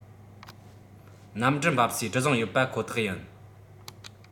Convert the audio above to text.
གནམ གྲུ འབབ སའི གྲུ གཟིངས ཡོད པ ཁོ ཐག ཡིན